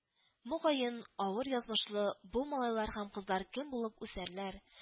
Мөгаен, авыр язмышлы бу малайлар һәм кызлар кем булып үсәрләр